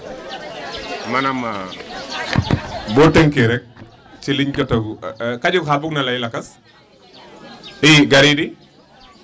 maanaam boo tënkee rek ci li ñu jot a